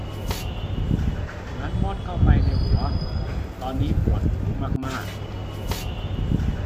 เหมือนมดเข้าไปในหัวตอนนี้ปวดหูมากมาก